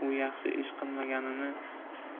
u yaxshi ish qilmaganini